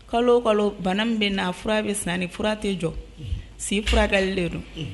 Kalo kalo bana min bɛ n na a fura bɛ san a fura tɛ jɔ si furakɛkali de do.